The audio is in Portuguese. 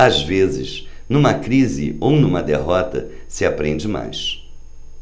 às vezes numa crise ou numa derrota se aprende mais